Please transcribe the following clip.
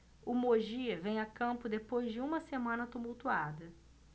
o mogi vem a campo depois de uma semana tumultuada